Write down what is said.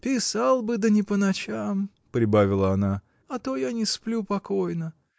Писал бы, да не по ночам, — прибавила она, — а то я не сплю покойно.